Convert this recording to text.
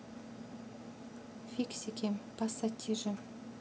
фиксики пассатижи